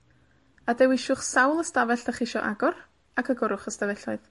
A dewiswch sawl ystafell 'dach chi isio agor, ac agorwch y stafelloedd.